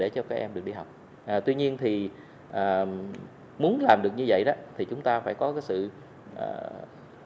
để cho các em được đi học à tuy nhiên thì à muốn làm được như vậy thì chúng ta phải có sự à